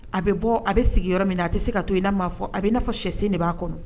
A bɛ bɔ a bɛ sigiyɔrɔ yɔrɔ min a tɛ se kaa to i n'a fɔ a bɛ n'a fɔ sɛsɛn de b'a kɔnɔ